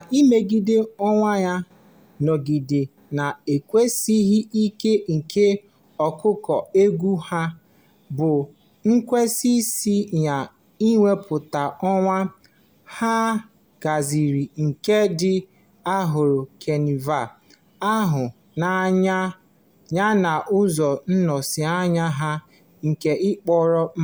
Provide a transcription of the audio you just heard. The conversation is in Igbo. Na mmegide onwe ya, nnọgide na-akwụsighị ike nke ọkụkụ egwu ahụ bụ nkwenisi nye mwepụta onwe a haziri nke ndị hụrụ Kanịva ahụ n'anya yana ụzọ nnọsaahụ ha nke ikpori ndụ.